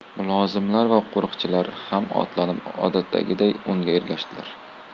mulozimlar va qo'rchilar ham otlanib odatdagiday unga ergashdilar